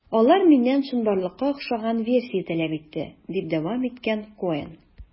Алар миннән чынбарлыкка охшаган версия таләп итте, - дип дәвам иткән Коэн.